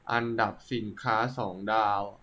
อันดับสินค้าสองดาว